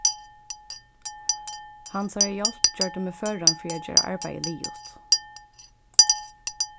hansara hjálp gjørdi meg føran fyri at gera arbeiðið liðugt